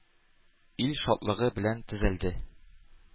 Ил шатлыгы белән төзәлде